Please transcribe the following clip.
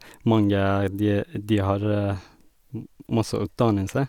Mange, de e de har masse utdannelse.